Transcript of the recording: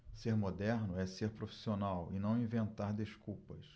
ser moderno é ser profissional e não inventar desculpas